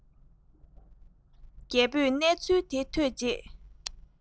རྒྱལ པོས གནས ཚུལ དེ ཐོས རྗེས